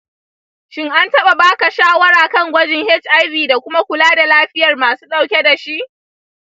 shin an taɓa ba ka shawara kan gwajin hiv da kuma kula da lafiyar masu dauke da shi?